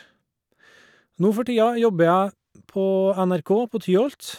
Nå for tida jobber jeg på NRK, på Tyholt.